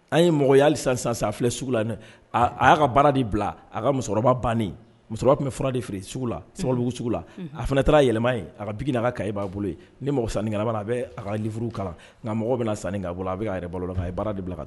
An ye mɔgɔ ya san san san filɛ sugu la aaa a y'a ka baara de bila a ka musokɔrɔba ban musokɔrɔba tun bɛ fura de feere la sa la a fana taara yɛlɛma ye a ka bi ka' bolo ni mɔgɔ san kana a bɛ a kauru kalan nka mɔgɔ bɛna san ka bolo a bɛ ka yɛrɛ balo la a ye baara de bila la